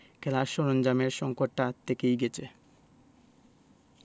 খেলার সরঞ্জামের সংকটটা থেকেই গেছে